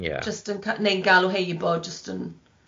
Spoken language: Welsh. Jyst yn ca- neu'n galw heib'o jyst yn.